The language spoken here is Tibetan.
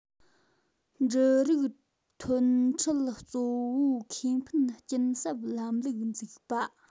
འབྲུ རིགས ཐོན ཁྲུལ གཙོ བོའི ཁེ ཕན སྐྱིན གསབ ལམ ལུགས འཛུགས པ